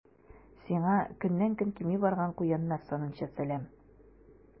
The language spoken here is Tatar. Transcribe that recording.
Сиңа көннән-көн кими барган куяннар санынча сәлам.